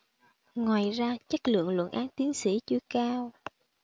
ngoài ra chất lượng luận án tiến sĩ chưa cao